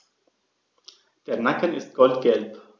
Der Nacken ist goldgelb.